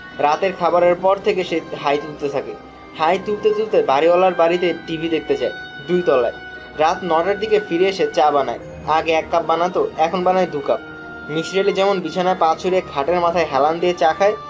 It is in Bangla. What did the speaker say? রাতের খাবারের পর থেকে সে হাই তুলতে থাকে হাই তুলতে তুলতে বাড়িওয়ালার বাড়িতে দোতলায় টিভি দেখতে যায় রাত ন টার দিকে ফিরে এসে চা বানায় আগে এক কাপ বানাত এখন বানায় দু কাপ মিসির আলি যেমন বিছানায় পা ছড়িয়ে খাটের মাথায় হেলান দিয়ে চা খায়